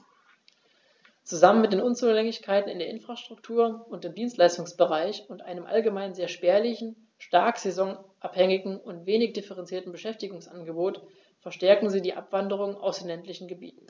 Zusammen mit den Unzulänglichkeiten in der Infrastruktur und im Dienstleistungsbereich und einem allgemein sehr spärlichen, stark saisonabhängigen und wenig diversifizierten Beschäftigungsangebot verstärken sie die Abwanderung aus den ländlichen Gebieten.